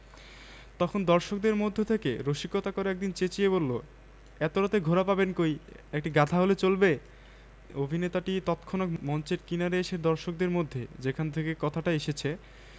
ওমা আমি নয়ন জলে ভাসি সোনার বাংলা আমি তোমায় ভালবাসি